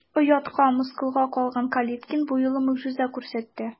Оятка, мыскылга калган Калиткин бу юлы могҗиза күрсәтте.